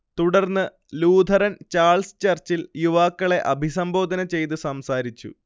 തുടർന്ന് Lutheran Charles ചർച്ചിൽ യുവാക്കളെ അഭിസംബോധന ചെയ്ത് സംസാരിച്ചു